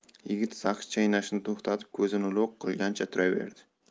yigit saqich chaynashini to'xtatib ko'zini lo'q qilganicha turaverdi